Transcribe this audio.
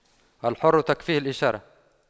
الحر تكفيه الإشارة